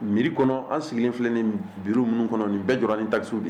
Miiriri kɔnɔ an sigilen filɛ ni bi minnu kɔnɔ nin bɛɛ jɔ ni taso de